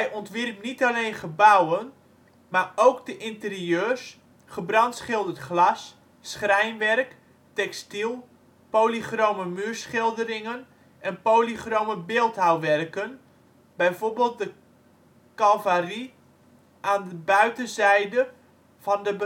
ontwierp niet alleen gebouwen, maar ook de interieurs: gebrandschilderd glas, schrijnwerk, textiel, polychrome muurschilderingen en polychrome beeldhouwwerken (bijvoorbeeld de calvarie aan de buitenzijde van de